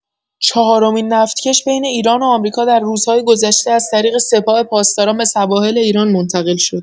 چهارمین نفتکش بین ایران و آمریکا در روزهای گذشته از طریق سپاه پاسداران به سواحل ایران منتقل شد.